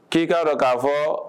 K'i k'arɔ k'a fɔ